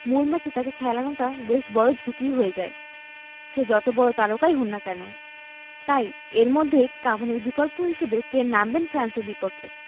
মূল ম্যাচে তাঁকে খেলানোটা বেশ বড় ঝুঁকিই হয়ে যায় সে যত বড় তারকাই হোন না কেন তাই এর মধ্যেই কাভানির বিকল্প হিসেবে কে নামবেন ফ্রান্সের বিপক্ষে